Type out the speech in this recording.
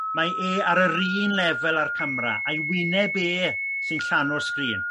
mae e ar yr un lefel a'r camera a'i wyneb e sy'n llano'r sgrin nid yw'r camea'nt dilyn y